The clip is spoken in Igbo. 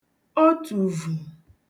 otùvù